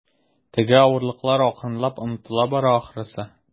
Теге авырлыклар акрынлап онытыла бара, ахрысы.